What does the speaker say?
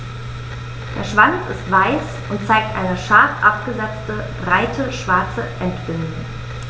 Der Schwanz ist weiß und zeigt eine scharf abgesetzte, breite schwarze Endbinde.